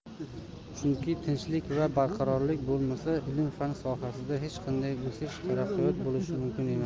chunki tinchlik va barqarorlik bo'lmasa ilm fan sohasida hech qanday o'sish taraqqiyot bo'lishi mumkin emas